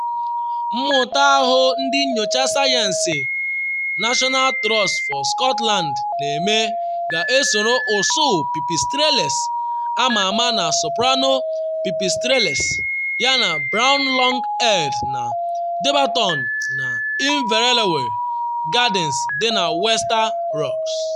Mmụta ahụ ndị nyocha sayensị National Trust for Scotland na-eme ga-esoro ụsụ pipistrelles ama ama na soprano pipistrelles yana brown long-eared na Daubenton na Inverewe Gardens dị na Wester Ross.